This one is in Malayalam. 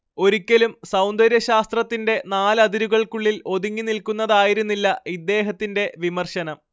ഒരിക്കലും സൗന്ദര്യശാസ്ത്രത്തിന്റെ നാലതിരുകൾക്കുള്ളിൽ ഒതുങ്ങിനിൽക്കുന്നതായിരുന്നില്ല ഇദ്ദേഹത്തിന്റെ വിമർശനം